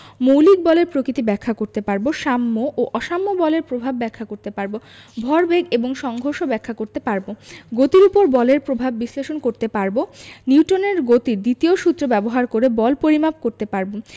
মৌলিক বলের প্রকৃতি ব্যাখ্যা করতে পারব সাম্য ও অসাম্য বলের প্রভাব ব্যাখ্যা করতে পারব ভরবেগ এবং সংঘর্ষ ব্যাখ্যা করতে পারব গতির উপর বলের প্রভাব বিশ্লেষণ করতে পারব নিউটনের গতির দ্বিতীয় সূত্র ব্যবহার করে বল পরিমাপ করতে পারব